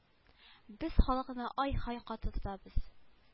Без халыкны ай-һай каты тотабыз